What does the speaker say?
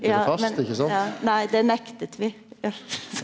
ja men ja nei det nekta vi ja .